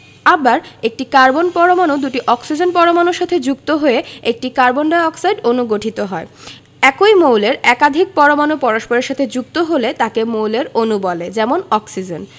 আবার একটি কার্বন পরমাণু দুটি অক্সিজেন পরমাণুর সাথে যুক্ত হয়ে একটি কার্বন ডাই অক্সাইড অণু গঠিত হয় একই মৌলের একাধিক পরমাণু পরস্পরের সাথে যুক্ত হলে তাকে মৌলের অণু বলে যেমন অক্সিজেন